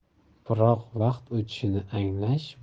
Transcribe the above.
biroq vaqt o'tishini anglash